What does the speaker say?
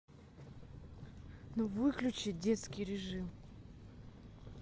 ну выключи детский режим